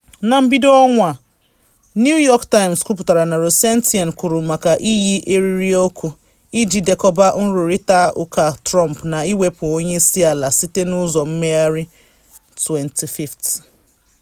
Na mbido ọnwa a, New York Times kwuputara na Rosenstein kwuru maka iyi eriri okwu iji dekọba nrụrịta ụka Trump na iwepu onye isi ala site n’ụzọ mmegharị 25th.